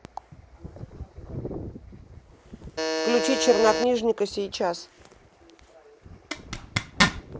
включи чернокнижника сейчас